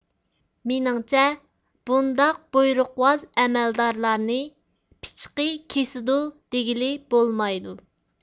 مېنىڭچە بۇنداق بۇيرۇقۋاز ئەمەلدارلارنى پىچىقى كېسىدۇ دېگىلى بولمايدۇ